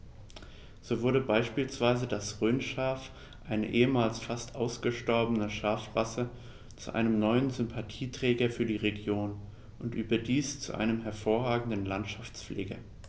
So wurde beispielsweise das Rhönschaf, eine ehemals fast ausgestorbene Schafrasse, zu einem neuen Sympathieträger für die Region – und überdies zu einem hervorragenden Landschaftspfleger.